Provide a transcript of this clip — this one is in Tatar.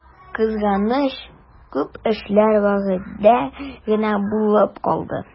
Кызганыч, күп эшләр вәгъдә генә булып калды.